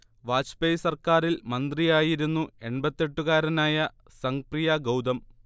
വാജ്പേയ് സർക്കാരിൽ മന്ത്രിയായിരുന്നു എൺപത്തി എട്ടു കാരനായ സംഗ് പ്രിയ ഗൗതം